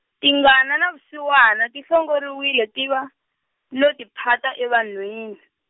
tingana ta vusiwana ti hlongoriwile tiva, no tiphata evanhwini.